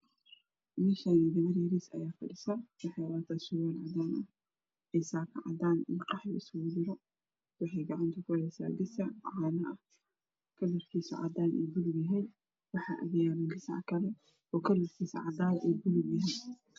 Meshan gabar yaris ah ayaa fadhiso waxey wadata sulwaal cadaan ah io sako cadan ah io qaxwi isku jiro waxeey gacanta ku hesaa gasac cano ah madabkiso yahay cadan iyo bulug yahay waxa agyaalo gasac kale kalarkiso yahay cadan iyo bulug yahay